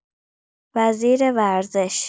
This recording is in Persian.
وزیر ورزش